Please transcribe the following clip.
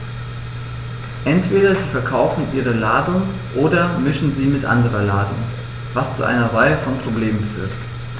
Entweder sie verkaufen ihre Ladung oder mischen sie mit anderer Ladung, was zu einer Reihe von Problemen führt.